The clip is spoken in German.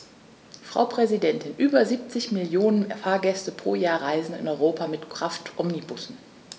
Frau Präsidentin, über 70 Millionen Fahrgäste pro Jahr reisen in Europa mit Kraftomnibussen.